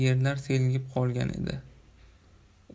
yerlar selgib qolgan edi